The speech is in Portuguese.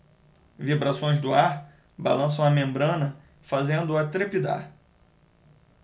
vibrações do ar balançam a membrana fazendo-a trepidar